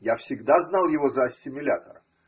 Я всегда знал его за ассимилятора